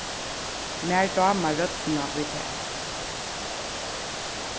mær dámar røddina í tær